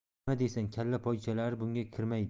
nima deysan kalla pochalari bunga kirmaydi